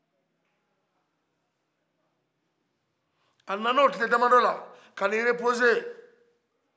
a nana o tile damadɔ kana a repose